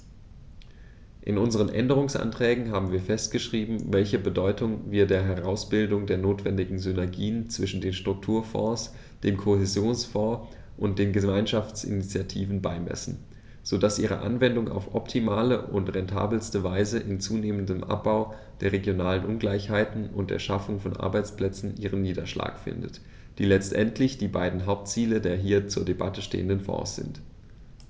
In unseren Änderungsanträgen haben wir festgeschrieben, welche Bedeutung wir der Herausbildung der notwendigen Synergien zwischen den Strukturfonds, dem Kohäsionsfonds und den Gemeinschaftsinitiativen beimessen, so dass ihre Anwendung auf optimale und rentabelste Weise im zunehmenden Abbau der regionalen Ungleichheiten und in der Schaffung von Arbeitsplätzen ihren Niederschlag findet, die letztendlich die beiden Hauptziele der hier zur Debatte stehenden Fonds sind.